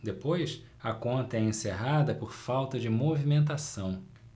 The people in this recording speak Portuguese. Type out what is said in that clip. depois a conta é encerrada por falta de movimentação